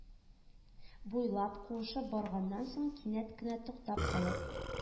Буйлап куышып барганнан соң, кинәт кенә туктап калып